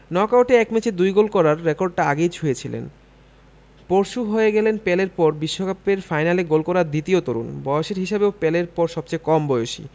নকআউটে এক ম্যাচে ২ গোল করার রেকর্ডটা আগেই ছুঁয়েছিলেন পরশু হয়ে গেলেন পেলের পর বিশ্বকাপের ফাইনালে গোল করা দ্বিতীয় তরুণ বয়সের হিসাবেও পেলের পর সবচেয়ে কম বয়সী